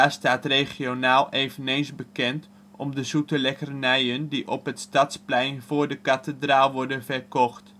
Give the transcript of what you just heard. staat regionaal eveneens bekend om de zoete lekkernijen die op het stadsplein voor de kathedraal worden verkocht